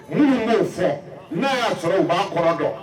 Minnu b'o fɔ n'a y'a sɔrɔ u b'a kɔrɔ dɔn